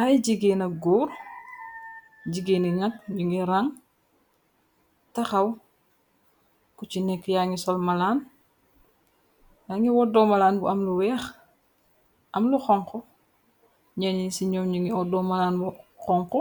Ay jiggéen na góor, jiggéeni nak nyu ngi rang taxaw, ku ci nekki ya ngi sol malaan, ya ngi woddoomalaan bu am lu weex, am lu xonxu, ñeñi ci ñoom ñu ngi odoo malaan bu xonxu